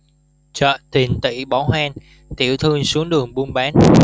chợ tiền tỷ bỏ hoang tiểu thương xuống đường buôn bán